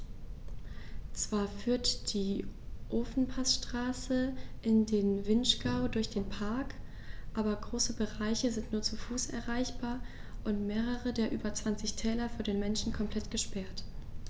Zwar führt die Ofenpassstraße in den Vinschgau durch den Park, aber große Bereiche sind nur zu Fuß erreichbar und mehrere der über 20 Täler für den Menschen komplett gesperrt.